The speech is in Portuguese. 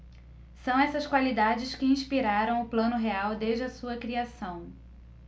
são essas qualidades que inspiraram o plano real desde a sua criação